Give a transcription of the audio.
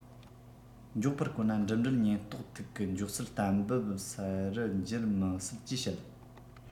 མགྱོགས པོར བསྐོར ན འགྲིམ འགྲུལ ཉེན རྟོག ཐིག གི མགྱོགས ཚད གཏན འབེབ རུ འགྱུར མི སྲིད ཅེས བཤད